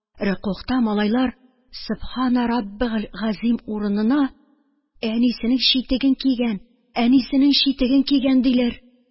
Рөкүгъта малайлар «Сөбханә раббелгазыйм» урынына: «Әнисе читеген кигән, әнисе читеген кигән», – диләр.